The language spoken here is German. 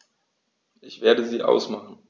Ich werde sie ausmachen.